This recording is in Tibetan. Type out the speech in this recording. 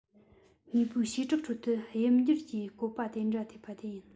དངོས པོའི བྱེ བྲག ཁྲོད དུ དབྱིབས འགྱུར གྱི བཀོད པ དེ འདྲ ཐེབས པ དེ ཡིན